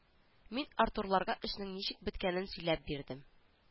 Мин артурларга эшнең ничек беткәнен сөйләп бирдем